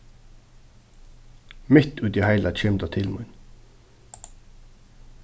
mitt í tí heila kemur tað til mín